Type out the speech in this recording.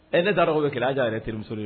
Ɛ ne dar bɛ kɛ aa yɛrɛreso ye